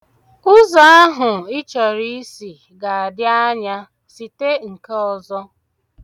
Ụzọ ahụ ị chọrọ isi ga-adị anya, site nke ọzọ.